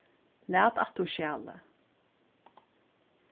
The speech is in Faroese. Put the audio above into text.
lat aftur skjalið